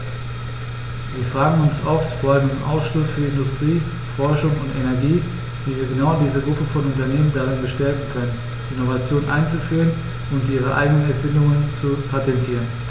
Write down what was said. Wir fragen uns oft, vor allem im Ausschuss für Industrie, Forschung und Energie, wie wir genau diese Gruppe von Unternehmen darin bestärken können, Innovationen einzuführen und ihre eigenen Erfindungen zu patentieren.